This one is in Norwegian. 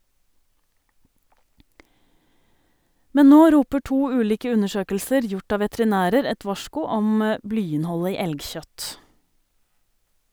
Men nå roper to ulike undersøkelser gjort av veterinærer et varsku om blyinnholdet i elgkjøtt.